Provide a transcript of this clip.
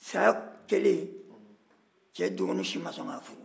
saya kɛlen cɛ dɔgɔnin si ma sɔn k'a furu